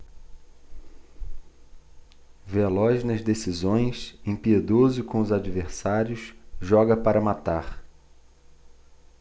veloz nas decisões impiedoso com os adversários joga para matar